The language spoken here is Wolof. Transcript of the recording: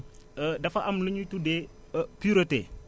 dafa am lu ñu tuddee pureté